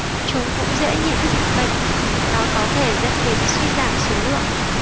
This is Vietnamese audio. chúng cũng dễ nhiễm dịch bệnh đó có thể dẫn đến suy giảm số lượng